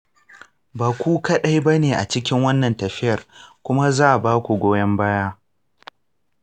ba ku kaɗai ba ne a cikin wannan tafiyar, kuma za baku goyon baya.